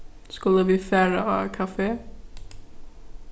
skulu vit fara á kafe